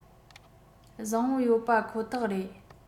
བཟང པོ ཡོད པ ཁོ ཐག རེད